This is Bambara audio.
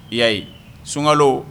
I y'ayi sunkalo